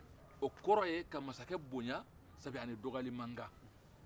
o kɔrɔ ye ka masakɛ bonya safɛ ani dɔgɔya ma kan